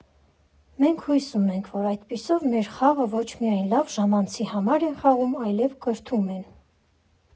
Մենք հույս ունենք, որ այդպիսով մեր խաղը ոչ միայն լավ ժամանցի համար են խաղում, այլև կրթվում են։